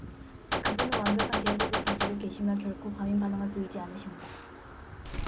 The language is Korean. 그분은 완벽한 제어력을 가지고 계시며 결코 과민 반응을 보이지 않으십니다